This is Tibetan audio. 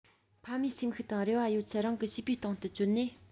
ཕ མའི སེམས ཤུགས དང རེ བ ཡོད ཚད རང གི བྱིས པའི སྟེང དུ བཅོལ ནས